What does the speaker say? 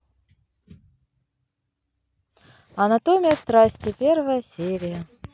анатомия страсти первая серия